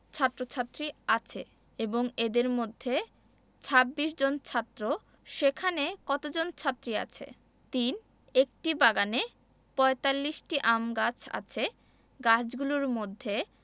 ছাত্ৰ-ছাত্ৰী আছে এবং এদের মধ্যে ২৬ জন ছাত্র সেখানে কতজন ছাত্রী আছে ৩ একটি বাগানে ৪৫টি আম গাছ আছে গাছগুলোর মধ্যে